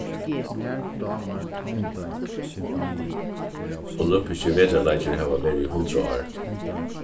olympiskir vetrarleikir hava verið í hundrað ár